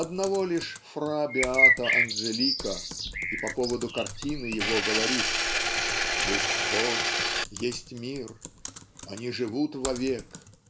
одного лишь Фра Беато Анджелико и по поводу картины его говорит Есть Бог, есть мир они живут вовек